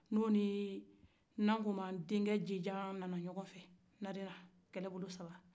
n'o ni namakan denkɛ jojan na ɲɔgɔ ye narena